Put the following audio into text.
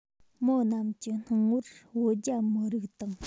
མི རྣམས ཀྱི སྣང ངོར བོད རྒྱ མི རིགས དང